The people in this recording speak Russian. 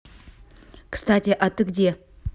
кстати а ты где